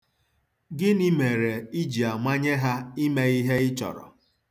Gịnị mere i ji amanye ha ime ihe ị chọrọ?